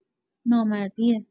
نامردیه